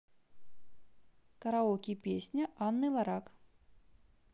караоке песня анны лорак